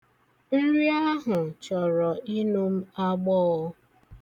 Nri ahụ chọrọ inu m agbọọ.